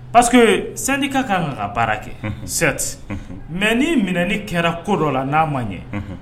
Paseke sanni ka ka nka ka baara kɛ sɛti mɛ' minɛ ni kɛra ko dɔ la n'a ma ɲɛ